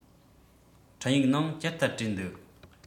འཕྲིན ཡིག ནང ཅི ལྟར བྲིས འདུག